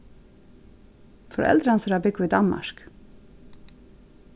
foreldur hansara búgva í danmark